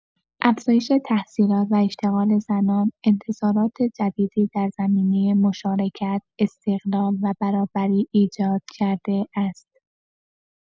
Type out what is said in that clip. افزایش تحصیلات و اشتغال زنان، انتظارات جدیدی در زمینه مشارکت، استقلال و برابری ایجاد کرده است.